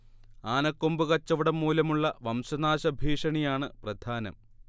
ആനക്കൊമ്പ് കച്ചവടം മൂലമുള്ള വംശനാശ ഭീഷണിയാണ് പ്രധാനം